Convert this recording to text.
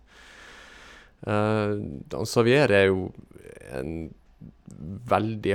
d Og han Xavier er jo en veldig...